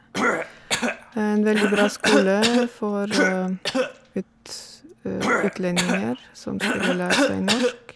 En veldig bra skole for ut utlendinger som skulle lære seg norsk.